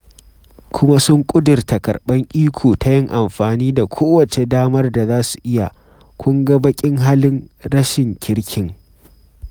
Kuma sun ƙudurta karɓan iko ta yin amfani da kowace damar za su iya, kun ga baƙin halin, rashin kirkin.